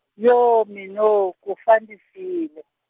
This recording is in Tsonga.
yooo minooo ku fa ndzi file.